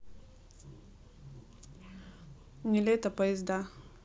нилетто поезда